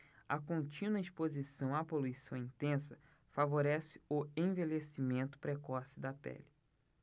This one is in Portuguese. a contínua exposição à poluição intensa favorece o envelhecimento precoce da pele